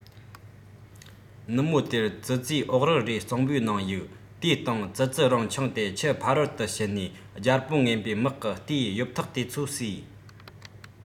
ནུབ མོ དེར ཙི ཙིས ཨོག རིལ རེ གཙང པོའི ནང གཡུག དེའི སྟེང ཙི ཙི རང མཆོངས ཏེ ཆུ ཕ རོལ དུ ཕྱིན ནས རྒྱལ པོ ངན པའི དམག གི རྟའི ཡོབ ཐག དེ ཚོ ཟས